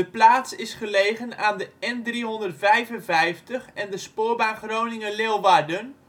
plaats is gelegen aan de N355 en de spoorbaan Groningen-Leeuwarden